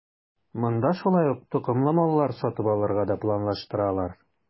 Монда шулай ук токымлы маллар сатып алырга да планлаштыралар.